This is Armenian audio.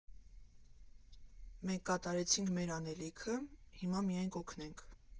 Մենք կատարեցինք մեր անելիքը, հիմա միայն կօգնենք։